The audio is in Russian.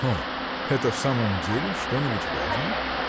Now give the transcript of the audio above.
– О, это в самом деле что-нибудь важное?